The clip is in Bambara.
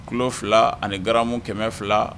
Tulo fila ani gamu kɛmɛ fila